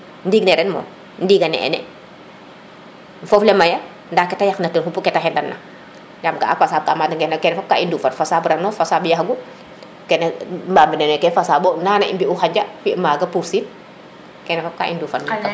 ndiŋ ne ren moom ndiga ne e ne fof le maya nda kene yaq na ten xupu kete xenan na yaam ga a pasaɓ ka mate ŋena kene fop ka i ndeufan fasaɓ rano fasaɓ yaxgu kene i mbamir neke fasaɓo nana i mbima xanja fi maga pursiin kene fop ka i ndufan